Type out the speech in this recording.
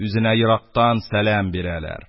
Үзенә ерактан сәлам бирәләр.